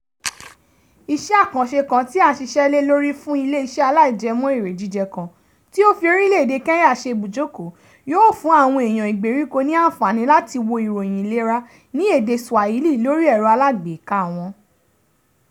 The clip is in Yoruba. Iṣẹ́ àkànṣe kan tí à ń ṣiṣẹ́ lè lórí fún ilé iṣẹ́ aláìjẹmọ́ èrè jíjẹ kan tí ó fi orílè-èdè Kenya ṣe ibùjókòó yóò fún àwọn èèyàn ìgbèríko ní àǹfààní láti wo ìròyìn ìlera ní èdè Swahili lórí ẹ̀rọ alágbèéká wọn.